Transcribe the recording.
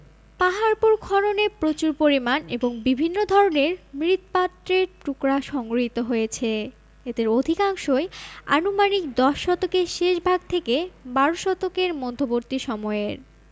পাহাড়পুর খননে প্রচুর পরিমাণ এবং বিভিন্ন ধরনের মৃৎপাত্রের টুকরা সংগৃহীত হয়েছে এদের অধিকাংশই আনুমানিক দশ শতকের শেষভাগ থেকে বারো শতকের মধ্যবর্তী সময়ের